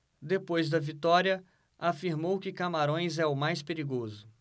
depois da vitória afirmou que camarões é o mais perigoso